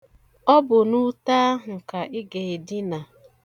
Ọ bụ n'ute a ka i ga-edina.